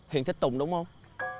hiền thích tùng đúng không